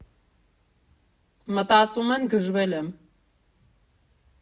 Մտածում են՝ գժվել եմ։